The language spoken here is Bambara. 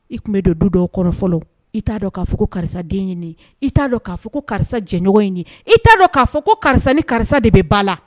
I tun bɛ don du dɔ fɔlɔ i t'a dɔn'a fɔ karisa den i t'a dɔn'a fɔ ko karisa jɛɲɔgɔn i t'a dɔn k'a fɔ ko karisa ni karisa de bɛ ba la